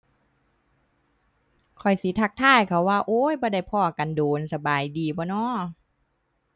ข้อยสิทักทายเขาว่า โอ้ย บ่ได้พ้อกันโดน สบายดีบ่น้อ